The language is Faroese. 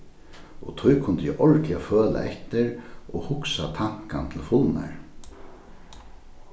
og tí kundi eg ordiliga føla eftir og hugsa tankan til fulnar